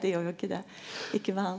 det gjorde jo ikkje det ikkje for han.